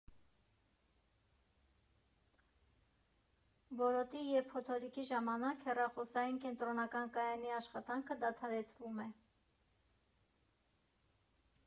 Որոտի և փոթորիկի ժամանակ հեռախոսային կենտրոնական կայանի աշխատանքը դադարեցվում է։